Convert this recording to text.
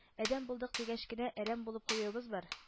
Адәм булдык дигәч кенә, әрәм булып куюыбыз бар